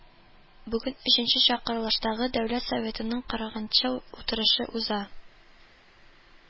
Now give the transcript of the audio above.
Бүген өченче чакырылыштагы Дәүләт Советының кырыгынчы утырышы уза